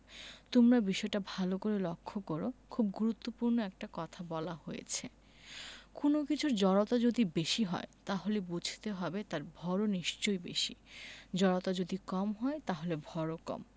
তোমরা বিষয়টা ভালো করে লক্ষ করো খুব গুরুত্বপূর্ণ একটা কথা বলা হয়েছে কোনো কিছুর জড়তা যদি বেশি হয় তাহলে বুঝতে হবে তার ভরও নিশ্চয়ই বেশি জড়তা যদি কম হয় তাহলে ভরও কম